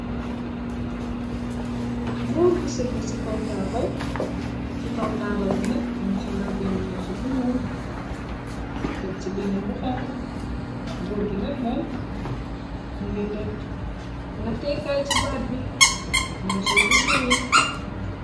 Góor bu segg taba ci kaw taabal bi nag mun ci lal bénn mursu bu nuwul teg ci beneen bu xonko góur gi nag moom i na teekaay ci baat bi ngir sollu giriin.